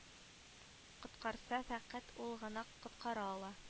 Коткарса фәкать ул гына коткара ала